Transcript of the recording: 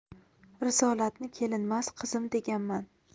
risolatni kelinmas qizim deganman